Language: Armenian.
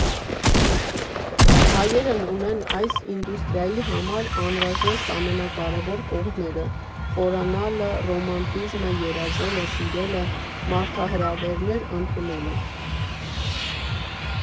Հայերն ունեն այս ինդուստրիայի համար անհրաժեշտ ամենակարևոր կողմերը՝ խորանալը, ռոմանտիզմը, երազելը, սիրելը, մարտահրավերներ ընդունելը։